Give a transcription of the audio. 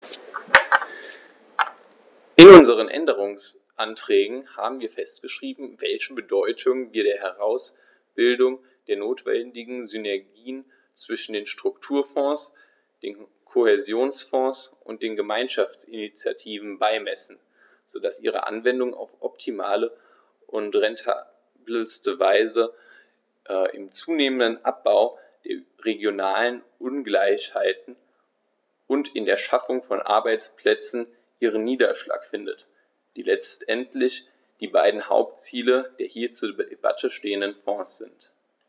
In unseren Änderungsanträgen haben wir festgeschrieben, welche Bedeutung wir der Herausbildung der notwendigen Synergien zwischen den Strukturfonds, dem Kohäsionsfonds und den Gemeinschaftsinitiativen beimessen, so dass ihre Anwendung auf optimale und rentabelste Weise im zunehmenden Abbau der regionalen Ungleichheiten und in der Schaffung von Arbeitsplätzen ihren Niederschlag findet, die letztendlich die beiden Hauptziele der hier zur Debatte stehenden Fonds sind.